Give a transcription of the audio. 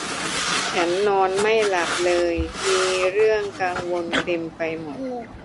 ฉันนอนไม่หลับเลยมีเรื่องกังวลเต็มไปหมด